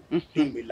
N sen' la